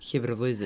Llyfr y Flwyddyn.